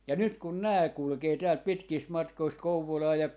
ja nyt kun nämä kulkee täältä pitkistä matkoista Kouvolaan ja